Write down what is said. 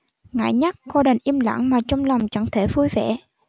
ngại nhắc cô đành im lặng mà trong lòng chẳng thể vui vẻ